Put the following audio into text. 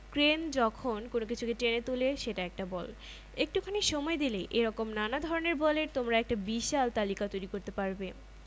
কাজেই আমরা বলকে স্পর্শ এবং অস্পর্শ দুই ধরনের বলে ভাগ করতে পারি কিন্তু তোমরা নিশ্চয়ই বুঝতে পারছ আমরা যেখানে স্পর্শ করছি বলে ধারণা করছি